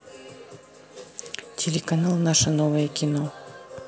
телеканал наше новое кино